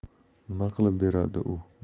nima qilib beradi